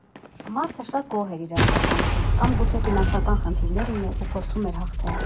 Մարդը շատ գոհ էր իր աշխատանքից կամ գուցե ֆինանսական խնդիրներ ուներ ու փորձում էր հաղթել։